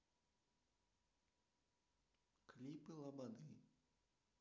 клипы лободы